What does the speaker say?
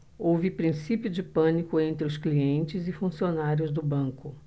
houve princípio de pânico entre os clientes e funcionários do banco